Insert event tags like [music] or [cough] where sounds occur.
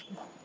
[hesitation]